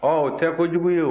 ɔ o tɛ ko jugu ye